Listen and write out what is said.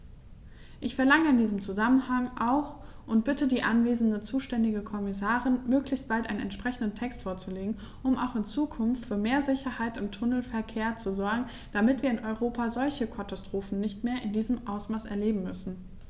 Ich verlange in diesem Zusammenhang auch und bitte die anwesende zuständige Kommissarin, möglichst bald einen entsprechenden Text vorzulegen, um auch in Zukunft für mehr Sicherheit im Tunnelverkehr zu sorgen, damit wir in Europa solche Katastrophen nicht mehr in diesem Ausmaß erleben müssen!